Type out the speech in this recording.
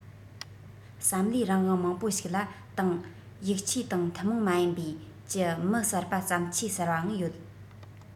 བསམ བློའི རང དབང མང པོ ཞིག ལ དང ཡིག ཆས དང ཐུན མོང མ ཡིན པའི ཀྱི མི གསར པ བརྩམས ཆོས གསར པའང ཡོད